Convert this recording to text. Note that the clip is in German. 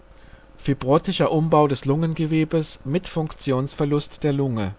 fibrotischer Umbau des Lungengewebes mit Funktionsverlust der Lunge